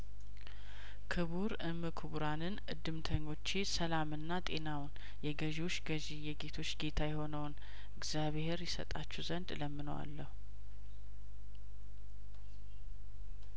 ክቡር እም ክቡራንን እድምተኞቼ ሰላምና ጤናውን የገዢዎች ገዢ የጌቶች ጌታ የሆነውን እግዚአብሄር ይሰጣችሁ ዘንድ እለምነዋለሁ